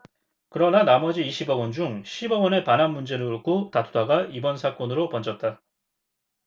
그러나 나머지 이십 억원 중 십 억원의 반환 문제를 놓고 다투다가 이번 사건으로 번졌다